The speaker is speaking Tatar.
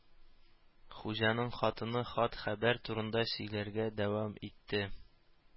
Хуҗаның хатыны хат-хәбәр турында сөйләргә дәвам итте